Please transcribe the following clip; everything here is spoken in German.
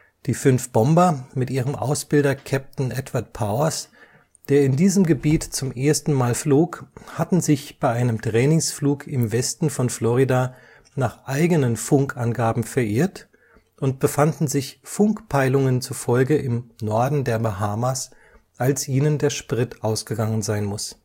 Die fünf Bomber mit ihrem Ausbilder Captain Edward Powers, der in diesem Gebiet zum ersten Mal flog, hatten sich bei einem Trainingsflug im Westen von Florida nach eigenen (Funk -) Angaben verirrt und befanden sich Funkpeilungen zufolge im Norden der Bahamas, als ihnen der Sprit ausgegangen sein muss